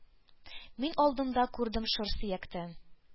Мин алдымда күрдем шыр сөяктән